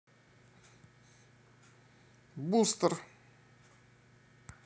бустер